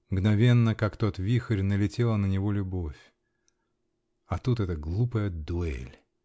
Мгновенно, как тот вихрь, налетела на него любовь. А тут эта глупая дуэль!